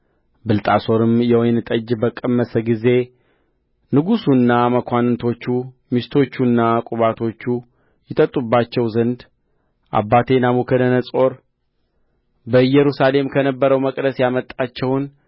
ብልጣሶርም የወይን ጠጅ በቀመሰ ጊዜ ንጉሡና መኳንንቶቹ ሚስቶቹና ቁባቶቹ ይጠጡባቸው ዘንድ አባቴ ናቡከደነፆር በኢየሩሳሌም ከነበረው መቅደስ ያመጣቸውን